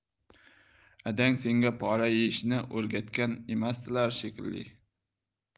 adang senga pora yeyishni o'rgatgan emasdilar shekilli